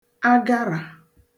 agarà